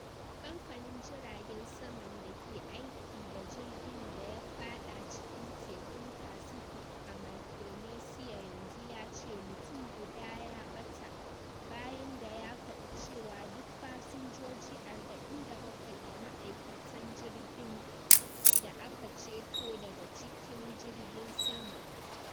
Kamfanin jiragen saman da ke aiki da jirgin da ya fada cikin tekun Pacific a Micronesia yanzu ya ce mutum guda ya bata, bayan da ya fadi cewa duk fasinjoji 47 da ma'aikatan jirgin da aka ceto daga cikin jirgin sama.